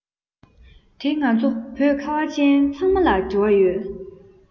དེ ང ཚོ བོད ཁ བ ཅན ཚང མ ལ འབྲེལ བ ཡོད